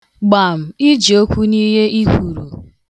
Gbam! Ị ji okwu n'ihe ị kwuru.